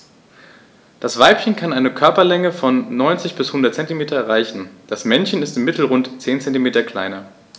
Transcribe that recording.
Das Weibchen kann eine Körperlänge von 90-100 cm erreichen; das Männchen ist im Mittel rund 10 cm kleiner.